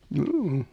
juu